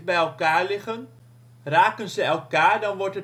elkaar liggen. Raken ze elkaar, dan wordt